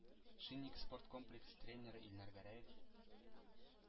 «шинник» спорт комплексы тренеры илнар гәрәев,